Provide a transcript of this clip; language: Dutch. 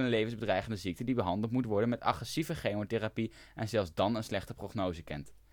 levensbedreigende ziekte die behandeld moet worden met agressieve chemotherapie en zelfs dan een slechte prognose kent